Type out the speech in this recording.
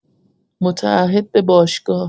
متعهد به باشگاه